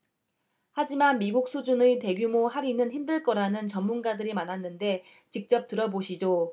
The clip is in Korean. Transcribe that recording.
하지만 미국 수준의 대규모 할인은 힘들 거라는 전문가들이 많았는데 직접 들어보시죠